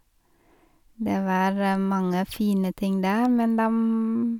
Det var mange fine ting der, men dem...